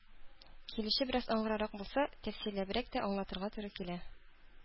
Килүче бераз аңгырарак булса, тәфсилләбрәк тә аңлатырга туры килә.